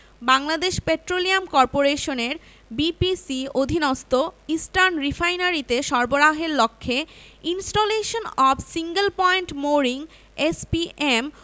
Bangladesh petroleum করপোরেশনের BPC অধীনস্থ Eastern রিফাইনারিতে সরবরাহের লক্ষ্যে installation of single point mooring SPM